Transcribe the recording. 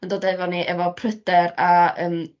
yn dod efo ni efo pryder a yym